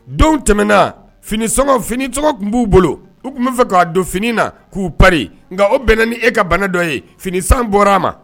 Don tɛmɛna finisɔngɔ fini tɔgɔ tun b'u bolo u tun b bɛa fɛ k'a don fini na k'u panri nka o bɛnna ni e ka bana dɔ ye fini san bɔra a ma